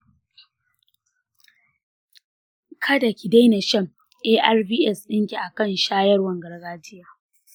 ka da ki daina shan arvs ɗinki akan shawaran gargajiya.